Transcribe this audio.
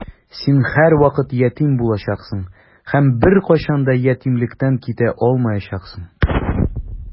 Син һәрвакыт ятим булачаксың һәм беркайчан да ятимлектән китә алмаячаксың.